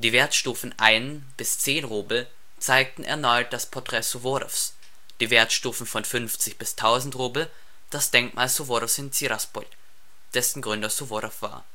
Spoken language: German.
Wertstufen 1 bis 10 Rubel zeigten erneut das Porträt Suworows, die Wertstufen von 50 bis 1000 Rubel das Denkmal Suworows in Tiraspol, dessen Gründer Suworow war